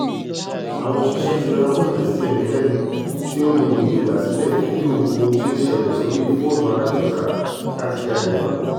Àwọn òṣìṣẹ ti rawọ́ ẹ̀bẹ̀ sí ẹnikẹ́ni tí ó leè ní ìgbàsílẹ̀ fídíò ohun tí ó ṣẹlẹ̀ sórí fóònù aláàgbéká láti jáde wá.